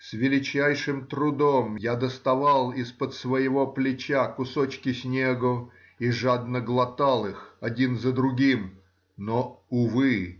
С величайшим трудом я доставал из-под своего плеча кусочки снегу и жадно глотал их один за другим, но — увы!